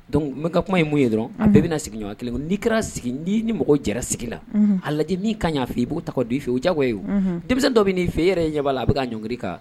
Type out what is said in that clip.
Donc ka kuma ye mun ye dɔrɔn; Unhun ;A bɛɛ bɛna sigiɲɔgɔn 1.N'i kɛra sigi, ni mɔgɔ jɛra sigi la; Unhun ;A lajɛ min kaɲi a fɛ, i b'o ta k'a dɔn i fɛ o ye jago ye; Unhun ;. Denmisɛnnin dɔ bɛna i fɛ e yɛrɛ ɲɛ b'a la a bɛ ka ɲɔngri ka.